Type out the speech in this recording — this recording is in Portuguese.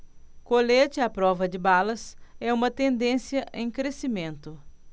colete à prova de balas é uma tendência em crescimento